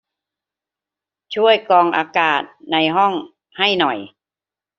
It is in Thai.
ช่วยกรองอากาศในห้องให้หน่อย